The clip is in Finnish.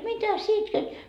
mitä sinä itket